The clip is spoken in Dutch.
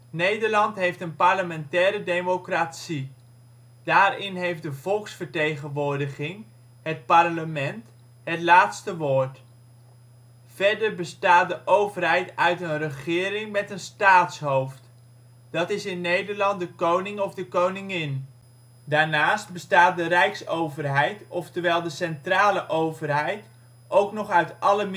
Nederland heeft een parlementaire democratie. Daarin heeft de volksvertegenwoordiging, het parlement, het laatste woord. Verder bestaat de overheid uit een regering met een staatshoofd. Dat is in Nederland de koning of de koningin. Daarnaast bestaat de rijksoverheid oftewel de centrale overheid ook nog uit alle ministeries